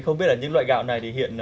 không biết là những loại gạo này thì hiện